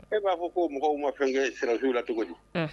E b'a fɔ ko mɔgɔw ma fɛn kɛ sɔrɔdasiw la cogo di, unhun